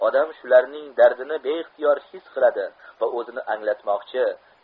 odam shularning dardini beixtiyor his qiladi va o'zini anglatmoqchi